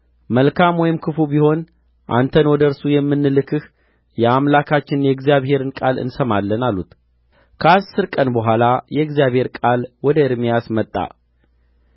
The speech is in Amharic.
መልካም ወይም ክፉ ቢሆን አንተን ወደ እርሱ የምንልክህ የአምላካችንን የእግዚአብሔርን ቃል እንሰማለን አሉት ከአሥር ቀን በኋላ የእግዚአብሔር ቃል ወደ ኤርምያስ መጣ